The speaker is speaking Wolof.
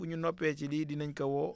bu ñu noppee ci lii dinañ ko woo